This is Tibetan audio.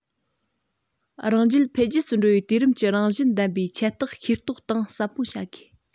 རང རྒྱལ འཕེལ རྒྱས འགྲོ བའི དུས རིམ གྱི རང བཞིན ལྡན པའི ཁྱད རྟགས ཤེས རྟོགས གཏིང ཟབ པོ བྱ དགོས